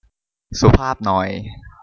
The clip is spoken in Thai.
สุภาพหน่อย